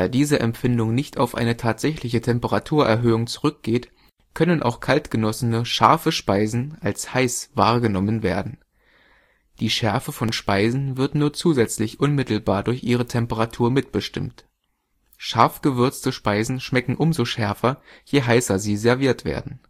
diese Empfindung nicht auf eine tatsächliche Temperaturerhöhung zurückgeht, können auch kalt genossene scharfe Speisen als „ heiß “wahrgenommen werden. Die Schärfe von Speisen wird nur zusätzlich unmittelbar durch ihre Temperatur mitbestimmt. Scharf gewürzte Speisen schmecken umso schärfer, je heißer sie serviert werden